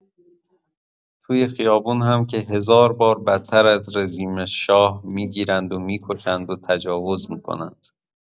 توی خیابون هم که هزار بار بدتر از رژیم شاه می‌گیرند و می‌کشند و تجاوز می‌کنند.